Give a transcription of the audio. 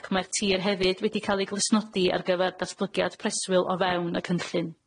ac mae'r tir hefyd wedi ca'l 'i glustnodi ar gyfar datblygiad preswyl o fewn y cynllun.